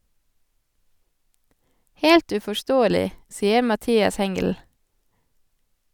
- Helt uforståelig , sier Mathias Hengl.